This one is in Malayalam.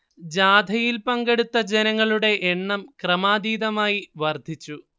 ജാഥയിൽ പങ്കെടുത്ത ജനങ്ങളുടെ എണ്ണം ക്രമാതീതമായി വർദ്ധിച്ചു